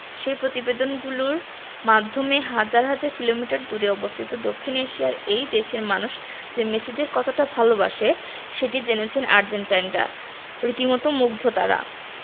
সেই প্রতিবেদনগুলোর মাধ্যমেই হাজার হাজার কিলোমিটার দূরে অবস্থিত দক্ষিণ এশিয়ার এই দেশের মানুষ যে মেসিদের কতটা ভালোবাসে সেটি জেনেছেন আর্জেন্টাইনরা রীতিমতো মুগ্ধ তাঁরা